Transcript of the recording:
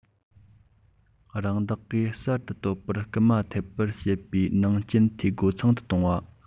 རང བདག གིས གསར དུ གཏོད པར སྐུལ མ ཐེབས པར བྱེད པའི ནང རྐྱེན འཐུས སྒོ ཚང དུ གཏོང བ